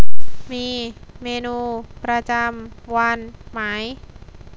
มีเมนูประจำวันไหม